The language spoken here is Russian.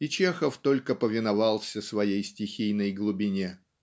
и Чехов только повиновался своей стихийной глубине.